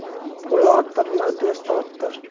pul orttirma do'st orttir